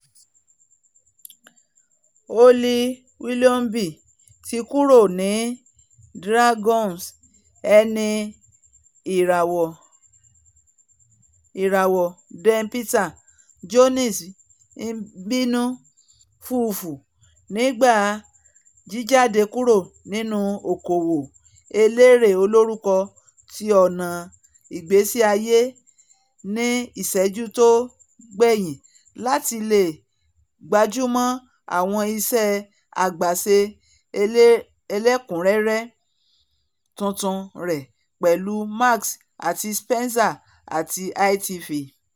Holly Willoughby ti kúrò ni Dragons'' eni ìràwọ̀ Den Peter Jones ńbínú fùfù nípa jíjáde kúrò nínú oko-òwò elérè olórúkọ ti ọ̀nà ìgbésí-ayé ní ìṣẹ́jú tó gbẹ̀yìn - láti leè gbájúmọ́ àwọn iṣẹ́ àgbàṣe ẹlẹ́ẹ̀kúnrẹ́rẹ́ tuntun rẹ̀ pẹ̀lú Marks and Spencer àti ITV.